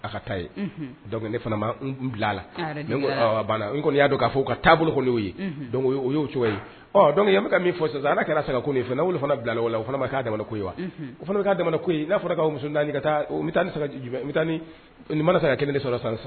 A ka ne fana ma bila la b'a la kɔni y'a don k'a fɔ ka taa bolo'o ye o y'o cogo ye dɔnku ye bɛka ka min fɔ sisan ala kɛra san ka ko ne fana wolo fana bila la o fana ma k' da koyi ye wa o fana koyi n'a musotan ka taa bɛ taa taa mana san ka kelen